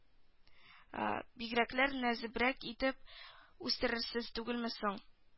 Бигрәкләр нәзберек итеп үстерәсез түгелме соң